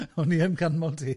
O'n i yn canmol ti.